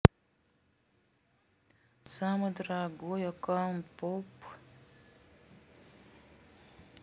самый дорогой аккаунт поп